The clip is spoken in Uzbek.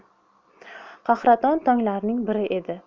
qahraton tonglardan biri edi